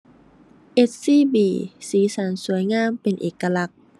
SCB สีสันสวยงาม เป็นเอกลักษณ์